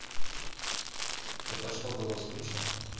это что было скучно